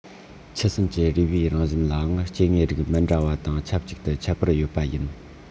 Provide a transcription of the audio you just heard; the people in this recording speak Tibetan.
ཆུ སྲིན གྱི རུས པའི རང བཞིན ལའང སྐྱེ དངོས རིགས མི འདྲ བ དང ཆབས ཅིག ཏུ ཁྱད པར ཡོད པ ཡིན